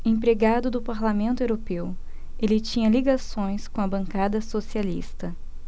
empregado do parlamento europeu ele tinha ligações com a bancada socialista